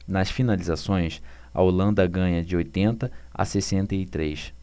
nas finalizações a holanda ganha de oitenta a sessenta e três